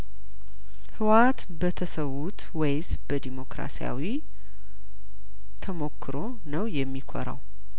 ህወሀት በተሰዉት ወይስ በዲሞክራሲያዊ ተሞክሮው ነው የሚኮራው